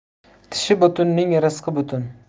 tishi butunning rizqi butun